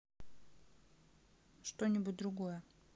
что нибудь другое